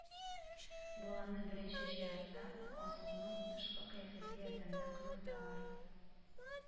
Баланы беренче чиратта азыкның тышкы кыяфәте ярдәмендә кызыктыралар